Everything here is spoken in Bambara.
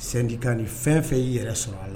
Sandi kan ni fɛn fɛn i yɛrɛ sɔrɔ a la